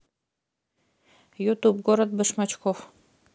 ютуб город башмачков